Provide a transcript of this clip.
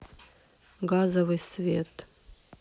газовый свет